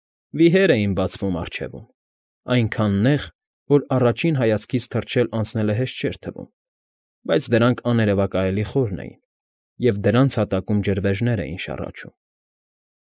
Վիհեր էին բացվում առջևում, այնքան նեղ, որ առաջին հայացքից թռչել անցնելը հեշտ էր թվում, բայց դրանք աներևակայալի խորն էին, և դրանց հատակում ջրվեժներ էին շառաչում։